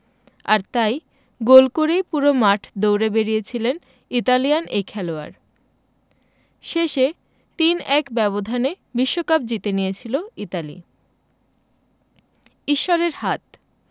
আর তাই গোল করেই পুরো মাঠ দৌড়ে বেড়িয়েছিলেন ইতালিয়ান এই খেলোয়াড় শেষে ৩ ১ ব্যবধানে বিশ্বকাপ জিতে নিয়েছিল ইতালি ঈশ্বরের হাত